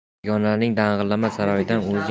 begonaning dang'illama saroyidan